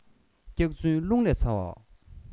སྐྱག རྫུན རླུང ལས ཚ བ